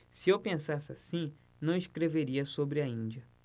se eu pensasse assim não escreveria sobre a índia